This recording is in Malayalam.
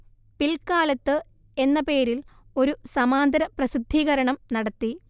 പിൽക്കാലത്ത് എന്ന പേരിൽ ഒരു സമാന്തര പ്രസിദ്ധീകരണം നടത്തി